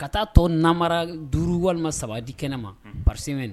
Ka taa tɔ namara duuru walima saba di kɛnɛ ma pasime na